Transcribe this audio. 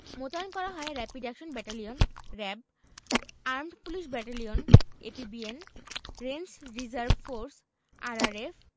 মোতায়েন করা হয় rapid action battalion RAB armed police battalion APBN range reserve force RRF